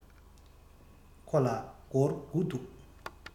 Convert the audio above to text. ཁོ ལ སྒོར དགུ འདུག